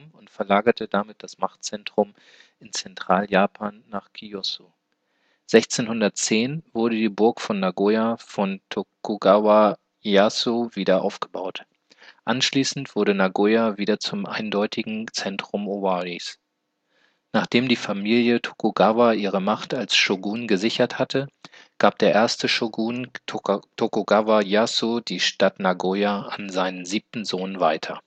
und verlagerte damit das Machtzentrum in Zentraljapan nach Kiyosu. 1610 wurde die Burg von Nagoya von Tokugawa Ieyasu wieder aufgebaut. Anschließend wurde Nagoya wieder zum eindeutigen Zentrum Owaris. Nachdem die Familie Tokugawa ihre Macht als Shōgun gesichert hatte, gab der erste Shōgun Tokugawa Ieyasu die Stadt Nagoya an seinen 7. Sohn weiter